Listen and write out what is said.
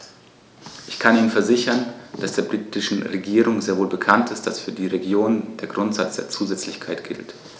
Ich kann Ihnen versichern, dass der britischen Regierung sehr wohl bekannt ist, dass für die Regionen der Grundsatz der Zusätzlichkeit gilt.